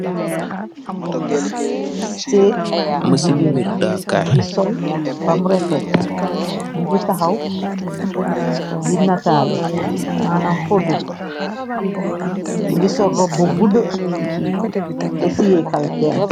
Seet bu jigéen mogi sol bamu refet mogi taxaw di nataalu maanam foto mogi sol roba bu guda te tiye kalpem.